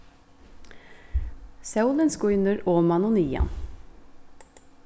sólin skínur oman og niðan